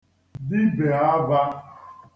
dibè avā